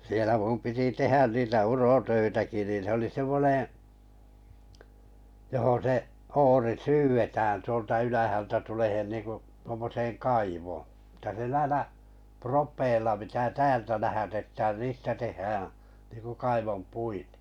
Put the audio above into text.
siellä minun piti tehdä niitä urotöitäkin niin se oli semmoinen johon se oori syydetään tuolta ylhäältä tuleen niin kuin tuommoiseen kaivoon että se näillä propeilla pitää täältä lähetetään niistä tehdään niin kuin kaivonpuite